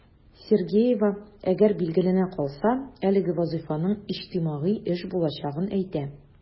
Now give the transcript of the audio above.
Сергеева, әгәр билгеләнә калса, әлеге вазыйфаның иҗтимагый эш булачагын әйтә.